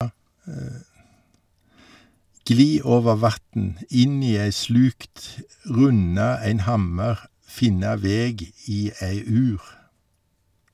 Gli over vatn, inn i ei slukt, runda ein hammar, finna veg i ei ur.